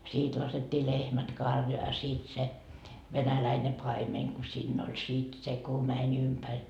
siitä laskettiin lehmät karjaan ja siitä se venäläinen paimen kun siinä oli sitten se kun meni ympäri